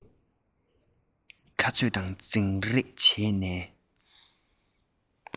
ཁ རྩོད དང འཛིང རེས བྱེད ནས